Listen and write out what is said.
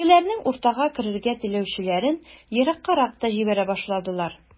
Тегеләрнең уртага керергә теләүчеләрен ераккарак та җибәрә башладылар.